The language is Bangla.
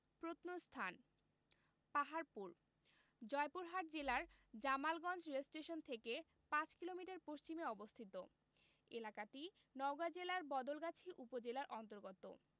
প্রত্নস্থানঃ পাহাড়পুর জয়পুরহাট জেলার জামালগঞ্জ রেলস্টেশন থেকে ৫ কিলোমিটার পশ্চিমে অবস্থিত এলাকাটি নওগাঁ জেলার বদলগাছি উপজেলার অন্তর্গত